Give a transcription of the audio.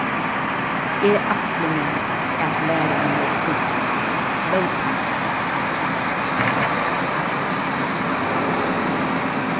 eg ætli mær at læra meg týskt flótandi